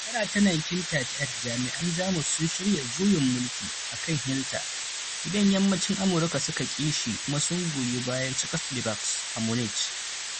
A shekara ta 1938, jami'an Jamus sun shirya juyin mulki a kan Hitler, idan Yammacin Amurka suka ki shi kuma sun goyi bayan Czechoslovaks a Munich.